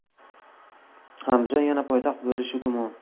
andijon yana poytaxt bo'lishi gumon